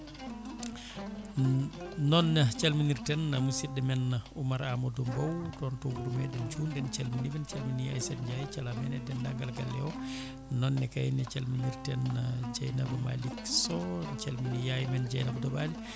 noon calminirten musidɗo men Oumar Amadou Mbow toon to wuuro meɗen Thioude en calminiɓe en calmini Aissata Ndiaye calmina dendagal galle o nonne kayne calminirten Dieynaba Malick Sow en calmini yaye men Dieynaba Doɓale